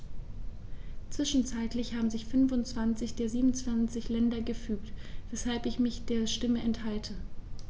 Zwischenzeitlich haben sich 25 der 27 Länder gefügt, weshalb ich mich der Stimme enthalte.